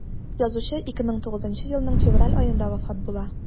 Язучы 2009 елның февраль аенда вафат була.